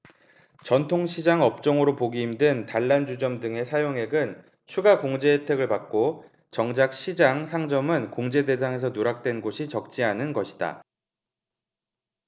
전통시장 업종으로 보기 힘든 단란주점 등의 사용액은 추가 공제 혜택을 받고 정작 시장 상점은 공제 대상에서 누락된 곳이 적지 않은 것이다